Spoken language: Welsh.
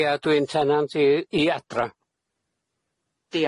Ie dwi'n tenant i i Adra.